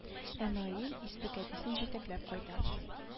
Ә наил исерек әтисен җитәкләп кайта